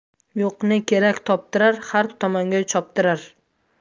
yo'qni kerak toptirar har tomonga choptirar